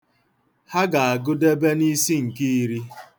Ha ga-agụdebe n'isi nke iri.